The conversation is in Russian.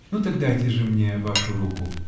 -- Ну так дайте же мне вашу руку.